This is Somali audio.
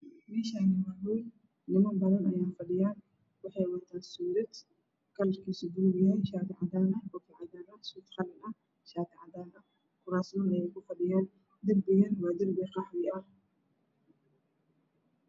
Meeshani waa hool. Niman ayaaa fadhiyaan waxay wataan sudad kalarkiisu bulug yahay shaati cadaan ah ayay wataan kuraasna way kufadhiyaan darbigan waa darbi qaxwi ah